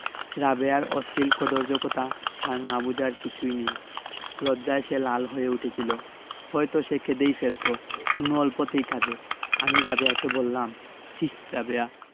রাবেয়ার অশ্লীল কদৰ্য কথা তার না বুঝার কিছুই নেই লজ্জায় সে লাল হয়ে উঠেছিলো হয়তো সে কেঁদেই ফেলতো রুনু অল্পতেই কাঁদে আমি রাবেয়াকে বললাম ছিঃ রাবেয়া